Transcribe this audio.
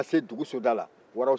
fo kana se dugusoda la